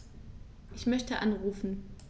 Ich möchte anrufen.